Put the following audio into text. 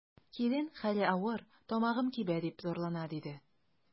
Килен: хәле авыр, тамагым кибә, дип зарлана, диде.